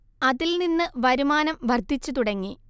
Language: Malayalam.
അതിൽ നിന്ന് വരുമാനം വർദ്ധിച്ചു തുടങ്ങി